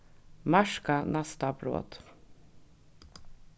marka næsta brot